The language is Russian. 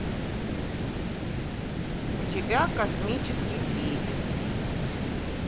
у тебя космический кризис